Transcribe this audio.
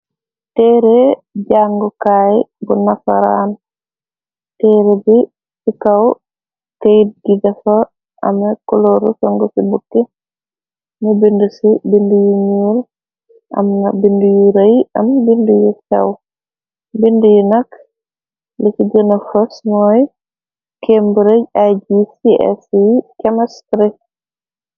Teere jàngukaay bu nasaraan, teere bi ci kaw kayit gi dafo ame kolooru sungusi bukki, nyu binde ci binde yu ñuul am na binde yu rëy, am binde yu sew, binde yi nak lu ci gëna fos mooy Kémbrej IJCSC Kamestry.